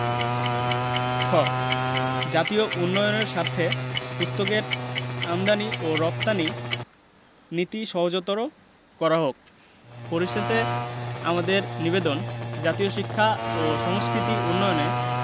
ঠ জাতীয় উন্নয়নের স্বার্থে পুস্তকের আমদানী ও রপ্তানী নীতি সহজতর করা হোক পরিশেষে আমাদের নিবেদন জাতীয় শিক্ষা ও সংস্কৃতি উন্নয়নে